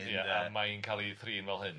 Ie a mae hi'n cael ei thrin fel hyn.